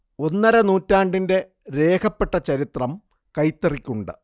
ഒന്നര നൂറ്റാണ്ടിന്റെ രേഖപ്പെട്ട ചരിത്രം കൈത്തറിക്ക് ഉണ്ട്